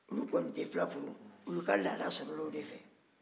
olu kɔni tɛ fila furu olu ka laada sɔrɔla o de fɛ